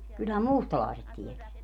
kyllähän mustalaiset tietää